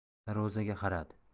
darvozaga qaradi